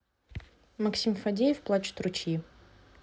максим фадеев плачут ручьи